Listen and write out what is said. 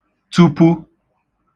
tupu